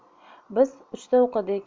biz uchta o'qidik